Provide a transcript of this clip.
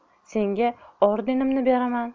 senga ordenimni beraman